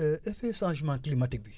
effet changement climatique bi